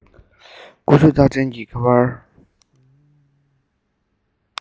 ཀུ ཤུ རྟགས ཅན གྱི ཁ པར